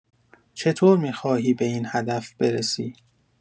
چطور می‌خواهی به این هدف برسی؟